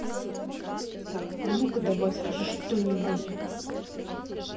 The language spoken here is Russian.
так а ну ка давай скажи что нибудь